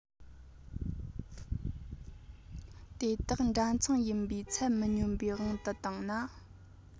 དེ དག འདྲ མཚུངས ཡིན པའི ཚད མི མཉམ པའི དབང དུ བཏང ན